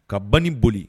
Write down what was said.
Ka ban ni boli